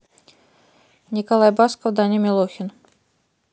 николай басков даня милохин